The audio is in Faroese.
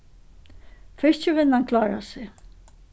fiskivinnan klárar seg